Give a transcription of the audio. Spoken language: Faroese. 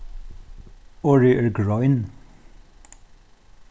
orðið er grein